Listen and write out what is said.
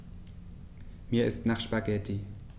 Mir ist nach Spaghetti.